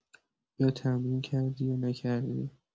یا تمرین کردی یا نکردی.